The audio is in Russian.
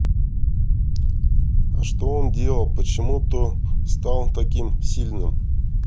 а что он делал почему то стал таким сильным